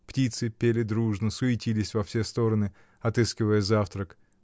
птицы пели дружно, суетились во все стороны, отыскивая завтрак